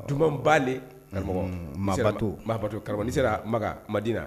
Dumanba le karamɔgɔ maa bato, maa bato, karamɔkɔ, ni sera Makan, Madina